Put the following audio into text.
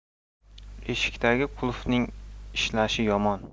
eshikdagi qulfning ishlashi yomon